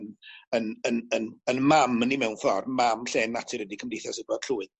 'yn 'yn 'yn 'yn 'yn mam ni mewn ffor mam llên natur ydi Cymdeithas Edward Llwyd.